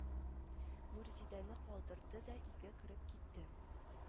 Нурзидәне калдырды да өйгә кереп китте